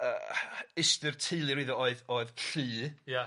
Yy yy ystyr teulu 'r iddo oedd oedd llu. Ia.